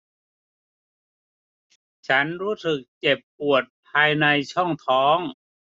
ฉันรู้สึกเจ็บปวดภายในช่องท้อง